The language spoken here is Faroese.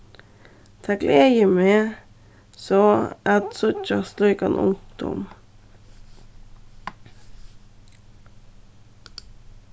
tað gleðir meg so at síggja slíkan ungdóm